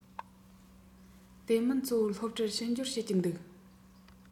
དེ མིན གཙོ བོ སློབ གྲྭར ཕྱི འབྱོར བྱེད ཀྱིན འདུག